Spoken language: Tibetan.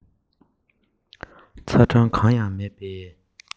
ཚ གྲང གང ཡང མེད པའི